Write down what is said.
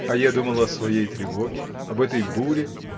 — А я думал — о своей тревоге, об этой буре.